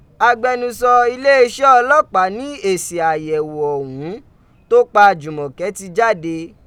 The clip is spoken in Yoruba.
Agbẹnusọ ileeṣẹ ọlọpaa ni esi ayẹwo ohun to pa Jumoke ti jade.